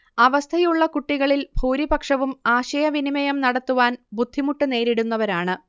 അവസ്ഥയുള്ള കുട്ടികളിൽ ഭൂരിപക്ഷവും ആശയവിനിമയം നടത്തുവാൻ ബുദ്ധിമുട്ട് നേരിടുന്നവരാണ്